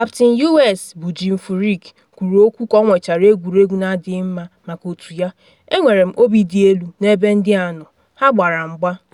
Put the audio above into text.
Kaptịn US bụ Jim Furyk kwuru okwu ka ọ nwechara egwuregwu na adịghị mma maka otu ya, “Enwere m obi dị elu n’ebe ndị a nọ, ha gbara mgba.